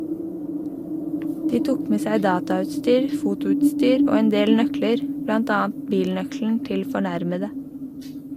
De tok med seg datautstyr, fotoutstyr og en del nøkler, blant annet bilnøkkelen til fornærmede.